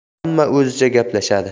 hamma o'zicha gaplashadi